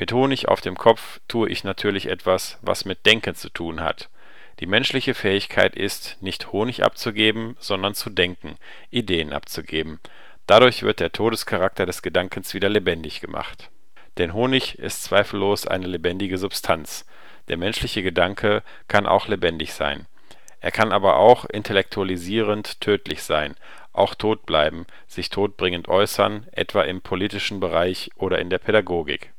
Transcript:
Honig auf dem Kopf tue ich natürlich etwas, was mit denken zu tun hat. Die menschliche Fähigkeit ist, nicht Honig abzugeben, sondern zu denken, Ideen abzugeben. Dadurch wird der Todescharakter des Gedankens wieder lebendig gemacht. Denn Honig ist zweifelslos eine lebendige Substanz. Der menschliche Gedanke kann auch lebendig sein. Er kann aber auch interellektualisierend tödlich sein, auch tot bleiben, sich todbringend äußern etwa im politischen Bereich oder der Pädagogik